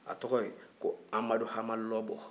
a tɔgɔ ye ko amadu hama lɔbɔ